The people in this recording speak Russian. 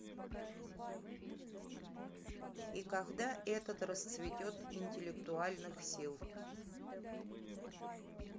и когда этот расцвет интеллектуальных сил